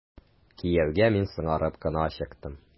Кияүгә мин соңарып кына чыктым.